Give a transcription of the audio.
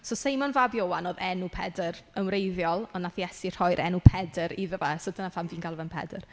So Seimon fab Ioan oedd enw Pedr yn wreiddiol, ond wnaeth Iesu rhoi'r enw Pedr iddo fe. So dyna pam fi'n galw fe'n Pedr.